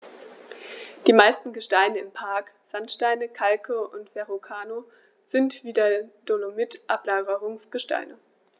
Die meisten Gesteine im Park – Sandsteine, Kalke und Verrucano – sind wie der Dolomit Ablagerungsgesteine.